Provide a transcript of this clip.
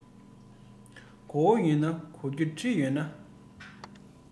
གོ བ ཡོད ན གོ རྒྱུ བྲིས ཡོད དོ